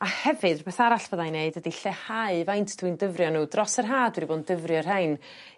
a hefyd rwbeth arall fyddai'n neud ydi lleihau faint dwi'n dyfrio n'w dros yr Ha dw 'di bo 'n dyfrio rhein